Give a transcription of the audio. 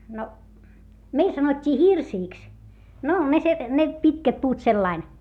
no meillä sanottiin hirsiksi no ne - ne pitkät puut sillä lailla